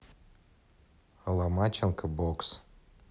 ломаченко бокс